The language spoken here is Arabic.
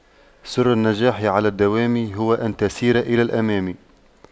سر النجاح على الدوام هو أن تسير إلى الأمام